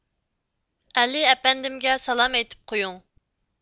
ئەلى ئەپەندىمگە سالام ئېيتىپ قويۇڭ